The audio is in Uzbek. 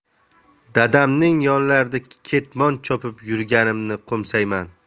dadamning yonlarida ketmon chopib yurganimni qo'msayman